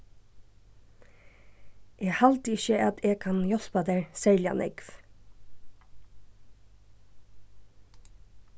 eg haldi ikki at eg kann hjálpa tær serliga nógv